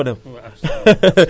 di nga gis ne ñu bëri dinañ ko yëg